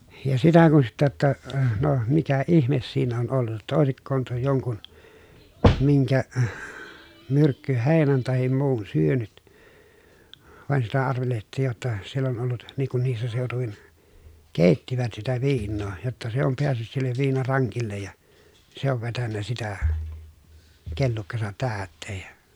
ja sitä kun sitten että no mikä ihme siinä on ollut jotta olisiko tuo jonkun minkä myrkkyheinän tai muun syönyt vaan sitä arvelehdittiin jotta siellä on ollut niin kun niissä seutuvin keittivät sitä viinaa jotta se on päässyt sille viinarankille ja se on vetänyt sitä kellukkansa täyteen ja